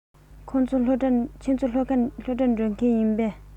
ཁྱེད ཚོ སློབ གྲྭར འགྲོ མཁན ཡིན པས